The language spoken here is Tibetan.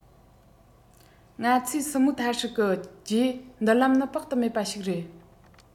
ང ཚོས སུའུ མུའུ ཐ ཧྲི གིས རྗེས མདུན ལམ ནི དཔག ཏུ མེད པ ཞིག རེད